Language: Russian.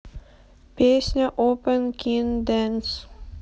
песня опен кин дэнс